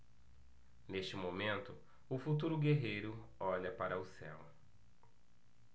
neste momento o futuro guerreiro olha para o céu